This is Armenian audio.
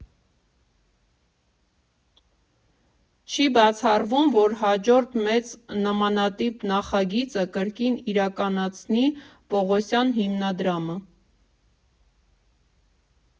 Չի բացառվում, որ հաջորդ մեծ նմանատիպ նախագիծը կրկին իրականացնի Պողոսյան հիմնադրամը.